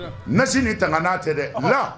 Msi ni tan n'a tɛ dɛ